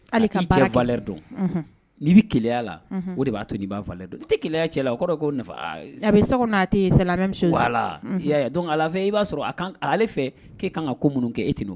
Hali kalɛ dɔn n'i bɛ keya la o de b'a to i' balɛ dɔn i tɛ kɛlɛya cɛ la o kɔrɔ ko nafa a bɛ sa n'a tɛ ala fɛ i b'a sɔrɔ ale fɛ k'i ka kan ka ko minnu kɛ et